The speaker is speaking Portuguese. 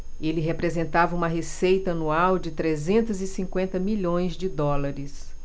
ele representava uma receita anual de trezentos e cinquenta milhões de dólares